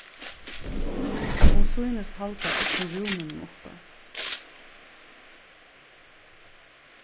hon sýnist halda øllum rúminum uppi